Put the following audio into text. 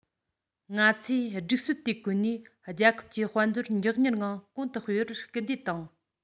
ང ཚོས སྒྲིག སྲོལ དེ བཀོལ ནས རང རྒྱལ གྱི དཔལ འབྱོར མགྱོགས མྱུར ངང གོང དུ སྤེལ བར སྐུལ འདེད བཏང